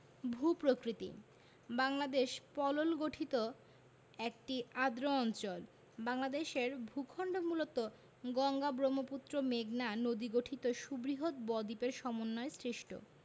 ভূ প্রকৃতিঃ বাংলদেশ পলল গঠিত একটি আর্দ্র অঞ্চল বাংলাদেশের ভূখন্ড মূলত গঙ্গা ব্রহ্মপুত্র মেঘনা নদীগঠিত সুবৃহৎ বদ্বীপের সমন্বয়ে সৃষ্ট